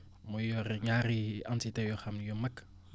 moo yore ñaari antités yoo xam ne yoo xam ne yu mag